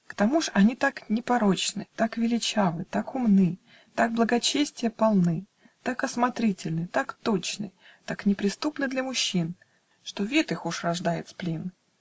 К тому ж они так непорочны, Так величавы, так умны, Так благочестия полны, Так осмотрительны, так точны, Так неприступны для мужчин, Что вид их уж рождает сплин .